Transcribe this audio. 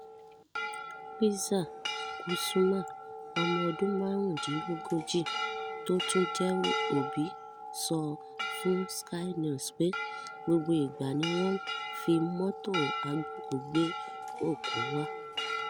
Risa Kusuma, ọmọ ọdún márùn-úndínlógójiị̀ (35) tó tún jẹ́ òbí sọ fun Sky News pé: “Gbogbo ìgbà ni wọ́n n fi mọ́tò-agbókùú gbé òkú wa.